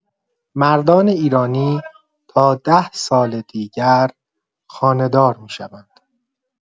مردان ایرانی تا ۱۰ سال دیگر خانه‌دار می‌شوند!